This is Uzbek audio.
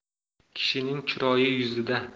kishining chiroyi yuzida